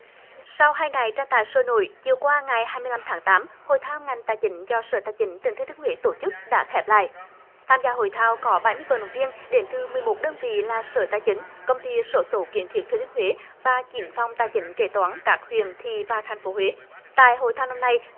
sau hai ngày tranh tài sôi nổi chiều qua ngày hai mươi lăm tháng tám hội thao ngành tài chính cho sở tài chính tỉnh thừa thiên huế tổ chức đã khép lại tham gia hội thao có bảy mươi vận động viên đến từ mười một đơn vị là sở tài chính công ty xổ số kiến thiết thừa thiên huế và chín phòng tài chính kế toán các huyện thị và thành phố huế tại hội thao năm nay